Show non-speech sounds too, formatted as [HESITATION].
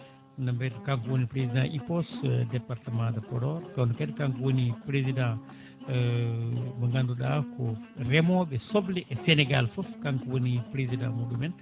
no mbiyete kanko woni président IPOS département de Podor toon kadi kanko woni président [HESITATION] mo ganduɗa ko reemoɓe soble e Sénégal foof kanko woni président muɗumen